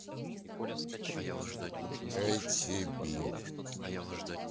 эй ти би